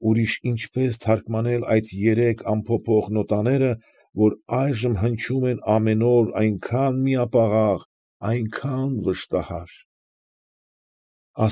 Ուրիշ ինչպե՞ս թարգմանել այդ երեք անփոփոխ նոտաները, որ այժմ հնչում են ամեն օր այնքան միապաղաղ այնքան վշաահար։